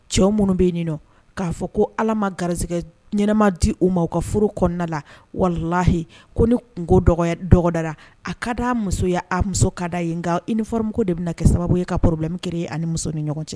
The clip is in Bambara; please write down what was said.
Cɛw minnu bɛ yen nin nɔ k'a fɔ ko allah ma garisɛgɛ ɲuman di u ma , u ka furu kɔnɔna la walahi ko ni kunko dɔgɔdara a ka d'a muso ye , a muso ka d'a ye nka unformr ko de bɛna kɛ sababu ye ka problème créer a ni a muso ni ɲɔgɔn cɛ.